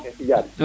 Cheikh Tidiane